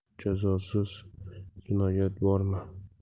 jazosiz jinoyat bormi